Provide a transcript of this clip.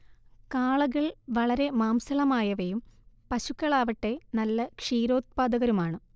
കാളകൾ വളരെ മാംസളമായവയും പശുക്കളാവട്ടെ നല്ല ക്ഷീരോത്പാദകരുമാണ്